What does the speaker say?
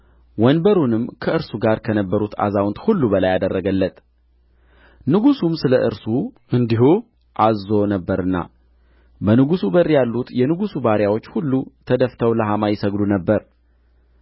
ወንበሩንም ከእርሱ ጋር ከነበሩት አዛውንት ሁሉ በላይ አደረገለት ንጉሡም ስለ እርሱ እንዲሁ አዝዞ ነበርና በንጉሡ በር ያሉት የንጉሡ ባሪያዎች ሁሉ ተደፍተው ለሐማ ይሰግዱ ነበር